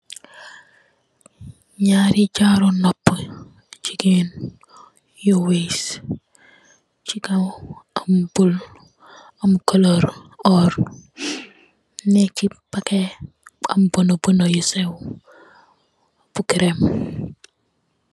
Nyari jaaru nopu jegain yu wees che kaw am bull am kuloor orr nee che pakeh bu am bona bona yu seew bu crem.